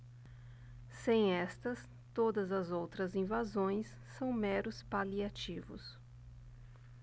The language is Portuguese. sem estas todas as outras invasões são meros paliativos